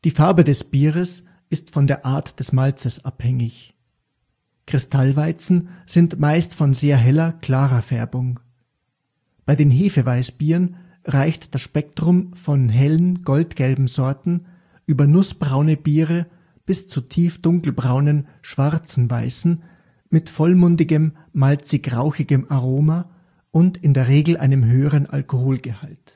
Farbe des Weißbieres ist von der Art des Malzes abhängig. Kristallweizen sind meist von sehr heller, klarer Färbung. Bei den Hefeweißbieren reicht das Spektrum von hellen, goldgelben Sorten über nussbraune Biere bis zu tiefdunkelbraunen schwarzen Weißen mit vollmundigem, malzig-rauchigem Aroma und in der Regel einem höheren Alkoholgehalt